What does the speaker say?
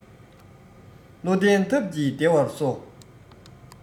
བློ ལྡན ཐབས ཀྱིས བདེ བར གསོ